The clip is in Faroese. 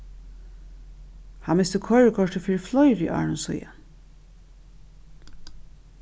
hann misti koyrikortið fyri fleiri árum síðan